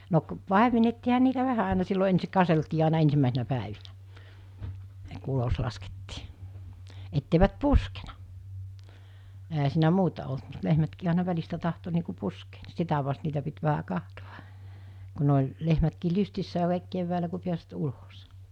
no - paimennettiinhan niitä vähän aina silloin ensin katseltiin aina ensimmäisinä päivinä kun ulos laskettiin että eivät puskenut eihän siinä muuta ollut mutta lehmätkin aina välistä tahtoi niin kuin puskea niin sitä vasten niitä piti vähän katsoa kun ne oli lehmätkin lystissään kaikki keväällä kun pääsivät ulos